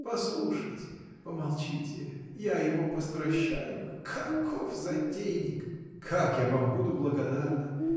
Послушайте, помолчите — я его постращаю. Каков затейник! — Как я вам буду благодарна!